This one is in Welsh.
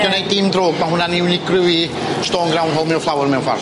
Dio'n neud dim drwg ma' hwnna'n unigryw i stone ground wholemeal flour mewn ffor.